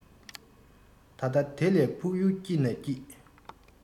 ད ལྟ དེ ལས ཕུགས ཡུལ སྐྱིད ནས སྐྱིད